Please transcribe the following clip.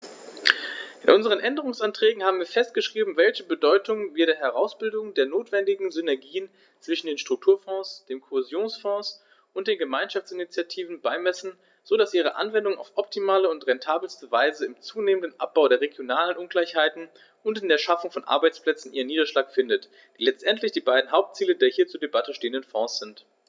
In unseren Änderungsanträgen haben wir festgeschrieben, welche Bedeutung wir der Herausbildung der notwendigen Synergien zwischen den Strukturfonds, dem Kohäsionsfonds und den Gemeinschaftsinitiativen beimessen, so dass ihre Anwendung auf optimale und rentabelste Weise im zunehmenden Abbau der regionalen Ungleichheiten und in der Schaffung von Arbeitsplätzen ihren Niederschlag findet, die letztendlich die beiden Hauptziele der hier zur Debatte stehenden Fonds sind.